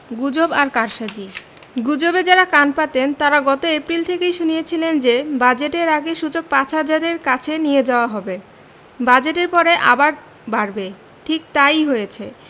গুজব আর কারসাজি গুজবে যাঁরা কান পাতেন তাঁরা গত এপ্রিল থেকেই শুনিয়েছিলেন যে বাজেটের আগে সূচক ৫ হাজারের কাছে নিয়ে যাওয়া হবে বাজেটের পরে আবার বাড়বে ঠিক তা ই হয়েছে